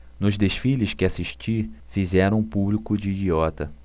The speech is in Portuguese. nos desfiles que assisti fizeram o público de idiota